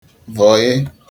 vọ̀hē